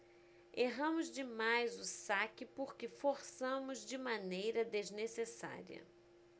erramos demais o saque porque forçamos de maneira desnecessária